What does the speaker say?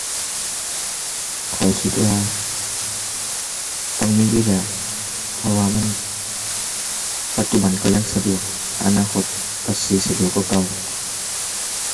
ข้อยคิดว่าต้องมีอยู่แล้ว เพราะว่ามันปัจจุบันก็ยังสะดวก อนาคตก็สิสะดวกกว่าเก่า